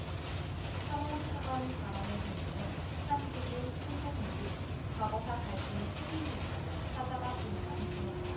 셔먼 차관 발언의 백미는 한 중 일 삼 국 모두 과거사 갈등에 책임이 있다며 싸잡아 비난한 대목이다